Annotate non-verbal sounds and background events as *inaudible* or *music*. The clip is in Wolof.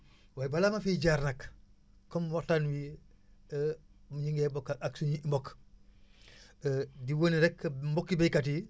waaye balaa ma fiy jaar nag comme waxtaan wi *hesitation* ñi nga bokk a ak suñuy mbokk *hesitation* di wane rekk mbokki baykat yi